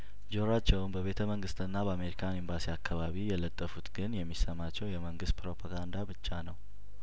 ጆሮአቸውን በቤተ መንግስትና በአሜሪካን ኤምባሲ አካባቢ የለጠፉት ግን የሚሰማቸው የመንግስት ፕሮፓጋንዳ ብቻ ነው